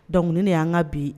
Donc ni ne yan ka bi